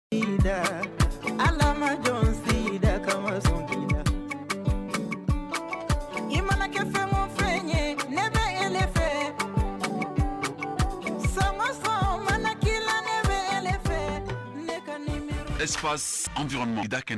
Ala ma jɔn siri ka i mana kɛ fɛn fɛn ye ne bɛ yɛlɛ fɛ sanson manaki ne bɛ yɛlɛ fɛ ne da